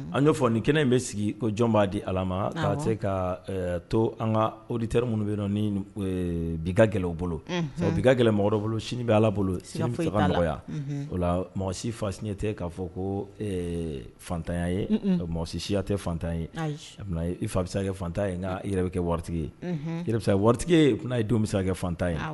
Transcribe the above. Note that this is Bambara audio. An'a fɔ nin ni kɛnɛ in bɛ sigi ko jɔnɔn b'a di ala ma ka se ka to an ka odi teri minnu bɛ ni bigɛ bolo bi gɛlɛn mɔgɔ wɛrɛ bolo sini bɛ ala bolo si ka nɔgɔyaya o la mɔgɔ si fa siɲɛ tɛ k'a fɔ ko fatanya ye mɔgɔ si siya tɛ fatan ye i fa bɛsa kɛtan ye nka yɛrɛ bɛ kɛ waritigi ye waritigi ye ye denw bɛsa kɛ fatan ye